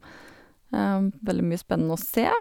Veldig mye spennende å se.